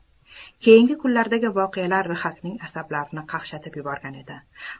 keyingi kunlardagi voqealar rhaqning asablarini qaqshatib yuborgan edi